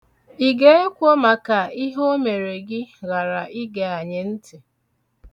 Ị ga-ekwo maka ihe o mere gị ghara ige anyị ntị?